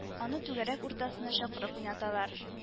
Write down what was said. Аны түгәрәк уртасына чакырып уйнаталар